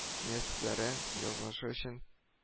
Мияссәрә язмышы өчен